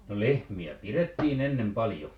no lehmiä pidettiin ennen paljon